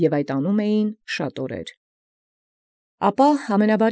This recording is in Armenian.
Եւ զայն առնէին աւուրս բազումս։